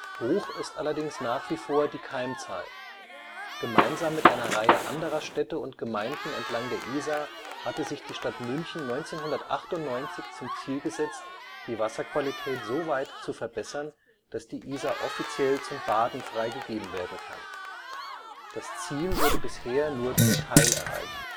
Hoch ist allerdings nach wie vor die Keimzahl. Gemeinsam mit einer Reihe anderer Städte und Gemeinden entlang der Isar hatte sich die Stadt München 1998 zum Ziel gesetzt, die Wasserqualität so weit zu verbessern, dass die Isar offiziell zum Baden freigegeben werden kann. Das Ziel wurde bisher nur zum Teil erreicht